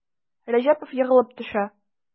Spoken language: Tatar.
Рәҗәпов егылып төшә.